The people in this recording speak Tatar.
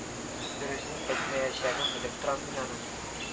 Дөресен әйтмәячәген белеп торам мин аның